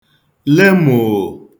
le mòò